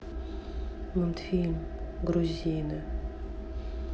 мультфильм грузины